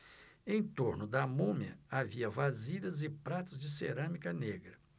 em torno da múmia havia vasilhas e pratos de cerâmica negra